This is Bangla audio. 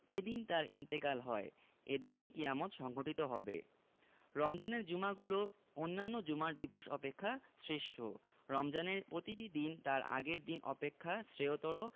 এদিন তাঁর ইন্তেকাল হয় এদিনেই কিয়ামত সংঘটিত হবে রমজানের জুমাগুলো অন্যান্য জুমার দিবস অপেক্ষা শ্রেষ্ঠ রমজানের প্রতিটি দিন তার আগের দিন অপেক্ষা শ্রেয়তর